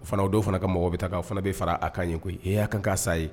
O fana o dɔw fana ka mɔgɔw bɛ taga o fana bɛ fara a kan yen koyi eee a k’an ka sa ye